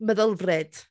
Meddylfryd.